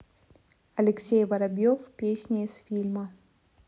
алексей воробьев песня из фильма